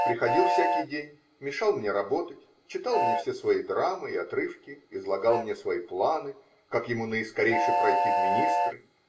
Приходил всякий день, мешал мне работать, читал мне все свои драмы и отрывки, излагал мне свои планы, как ему наискорейше пройти в министры